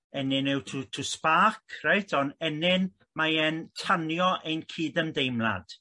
ennyn yw to to spark reit ond ennyn mae e'n tanio ein cydymdeimlad.